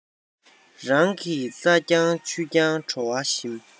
རང གི རྩ རྐྱང ཆུ རྐྱང བྲོ བ ཞིམ